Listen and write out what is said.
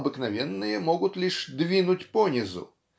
обыкновенные могут лишь "двинуть по низу'"